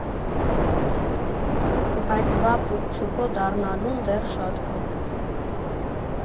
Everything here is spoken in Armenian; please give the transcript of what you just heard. Բայց Վա Պուկչուկո դառնալուն դեռ շատ կա։